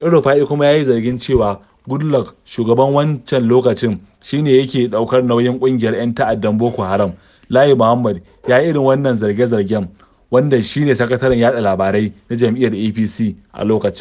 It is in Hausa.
El-Rufa'i kuma ya yi zargin cewa Goodluck, shugaban wancan lokaci, shi ne yake ɗaukar nauyin ƙungiyar 'yan ta'addan Boko Haram. Lai Mohammed, ya yi irin waɗannan zarge-zargen, wanda shi ne sakataren yaɗa labarai na jam'iyyar APC a lokacin.